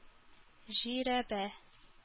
Жирәбә